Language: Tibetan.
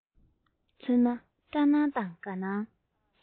མཚོན ན སྐྲག སྣང དང དགའ སྣང